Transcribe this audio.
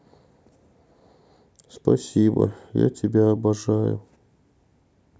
спасибо я тебя обожаю